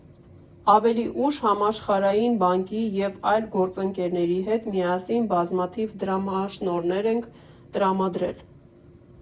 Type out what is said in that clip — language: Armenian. Ավելի ուշՀամաշխարհային բանկի և այլ գործընկերների հետ միասին բազմաթիվ դրամաշնորհներ ենք տրամադրել։